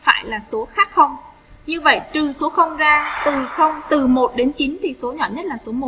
phải là số khác như vậy từ số ra từ từ đến thì số nhỏ nhất là số